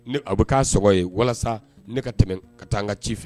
A bɛ k'a s ye walasa ne ka tɛmɛ ka taa an ka ci fɛ